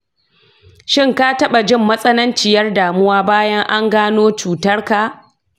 shin ka taba jin matsananciyar damuwa bayan an gano cutarka?